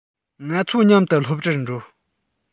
ང ཚོ མཉམ དུ སློབ གྲྭར འགྲོ